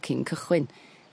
...cyn cychwyn.